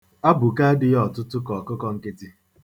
Abụke adịghị ọtụtụ ka ọkụkọ nkịtị.